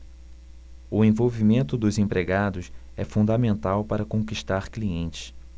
o envolvimento dos empregados é fundamental para conquistar clientes